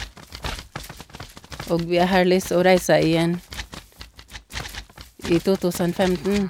Og vi har lyst å reise igjen i to tusen femten.